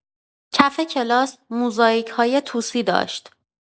کف کلاس موزاییک‌های طوسی داشت.